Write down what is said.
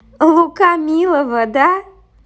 лука милого да